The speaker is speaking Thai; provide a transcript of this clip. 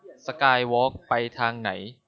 สกายวอล์คไปทางไหน